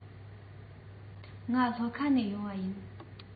ང ལྷོ ཁ ནས ཡོང པ ཡིན